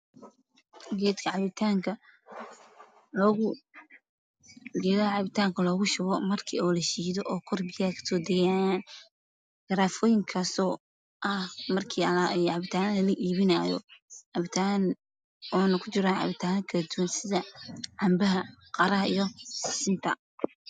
geedka cabitaanka geeda cabitaanka lagu shubo marka la shiido oo kor biyaha ka soo deynaayaan garaafooyinkaas oo ah marka cabitaanada la iibinaayo cabitaanada aanu ku jiraan cabitaano kala duwan sida canbaha qaraha iyo sisinta